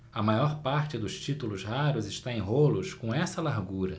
a maior parte dos títulos raros está em rolos com essa largura